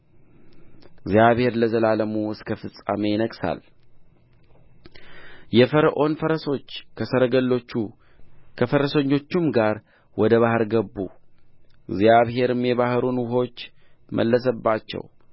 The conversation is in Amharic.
እግዚአብሔር ለዘላለሙ እስከ ፍጻሜ ይነግሣል የፈርዖን ፈረሶች ከሰረገሎቹ ከፈረሰኞቹም ጋር ወደ ባሕር ገቡ እግዚአብሔርም የባሕሩን ውኆች መለሰባቸው